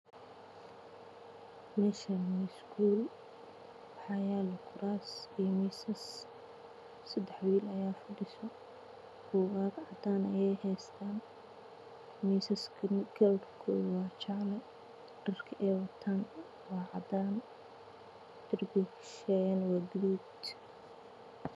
Meshan waa iskuul waxa yaalo misas iyo kuraas sadex wilal aya fadhiso bugag cadaan ayey heystan misaska kalarkoda waa jaale dharka ay watan waa cadan darbiga ka shisheya waa gadud